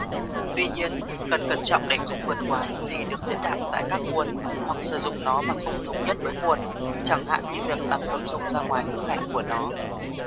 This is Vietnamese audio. tuy nhiên cần cẩn trọng để không vượt quá những gì được diễn đạt tại các nguồn hoặc sử dụng nó mà không thống nhất với nguồn chẳng hạn như việc đặt nội dung ra ngoài ngữ cảnh của nó